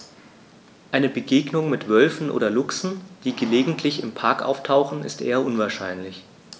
Eine Begegnung mit Wölfen oder Luchsen, die gelegentlich im Park auftauchen, ist eher unwahrscheinlich.